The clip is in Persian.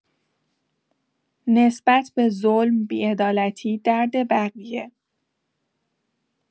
نسبت به ظلم، بی‌عدالتی، درد بقیه.